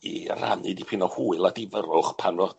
i rhannu dipyn o hwyl a difyrrwch pan fo